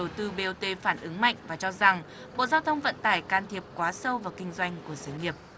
đầu tư bê ô tê phản ứng mạnh và cho rằng bộ giao thông vận tải can thiệp quá sâu vào kinh doanh của sự nghiệp